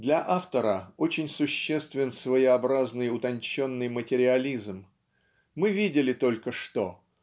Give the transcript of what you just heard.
Для автора очень существен своеобразный утонченный материализм, мы видели только что